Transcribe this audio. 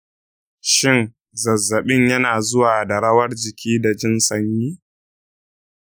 shin zazzabin yana zuwa da rawar jiki da jin sanyi?